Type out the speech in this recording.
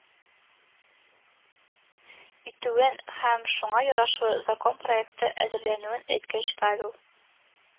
Итүен һәм шуңа ярашлы закон проекты әзерләнүен әйткәч, павел